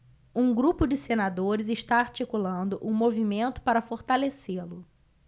um grupo de senadores está articulando um movimento para fortalecê-lo